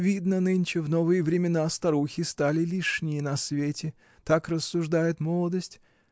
Видно, нынче, в новые времена, старухи стали лишние на свете: так рассуждает молодость.